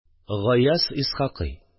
Гаяз Исхакый